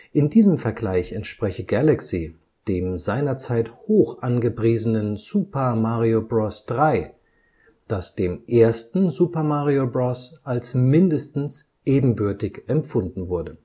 In diesem Vergleich entspreche Galaxy dem seinerzeit hoch angepriesenen Super Mario Bros. 3 (NES, 1988), das dem ersten Super Mario Bros. als mindestens ebenbürtig empfunden wurde